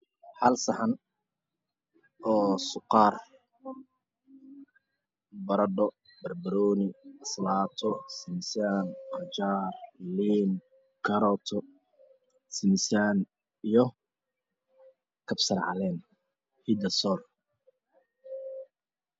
Hal saxan oo shuqaar ah. baradho, barbarooni, Anshalaato, khajaar, shimsaan, liin, koroto, shimsaan iyo tafsar-caleen.